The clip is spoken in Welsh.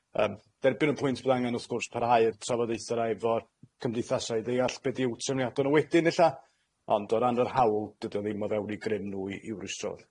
Yym, derbyn y pwynt bod angen wrth gwrs parhau'r trafodaethe 'na efo cymdeithasau i ddeall be' di'w trefniade nw wedyn ella. Ond o ran yr hawl, dydi o ddim o fewn i'w grym nw i i'w rwystro ll-.